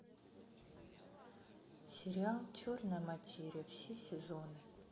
сериал черная материя все сезоны